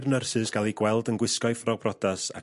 ...i'r nyrsys ga'l 'i gweld yn gwisgo 'i ffrog brodas